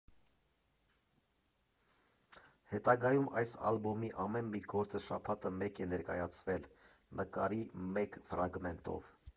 Հետագայում այս ալբոմի ամեն մի գործը շաբաթը մեկ է ներկայացվել՝ նկարի մեկ ֆրագմենտով։